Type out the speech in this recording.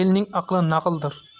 elning aqli naqldir